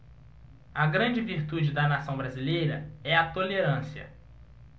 a grande virtude da nação brasileira é a tolerância